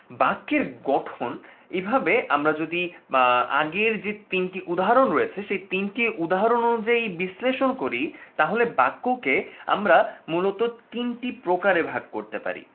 বাক্যের গঠন আমরা যদি আগের যে তিনটি উদাহরণ রয়েছে সেই তিনটি উদাহরণ অনুযায়ী বিশ্লেষণ করি তাহলে বাক্য কে আমরা মূলত তিনটি প্রকারে ভাগ করতে পারি